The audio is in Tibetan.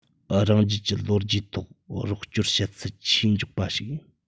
རང རྒྱལ གྱི ལོ རྒྱུས ཐོག རོགས སྐྱོར བྱེད ཚད ཆེས མགྱོགས པ ཞིག ཡིན